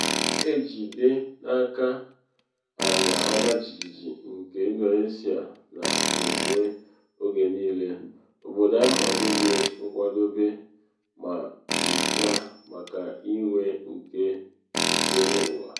Ejide n’aka ala ọmajijiji nke Indonesia na enwe oge niile, obodo ahụ adịghị nkwadobe ma ncha maka iwe nke ekereụwa.